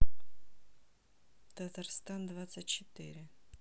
татарстан двадцать четыре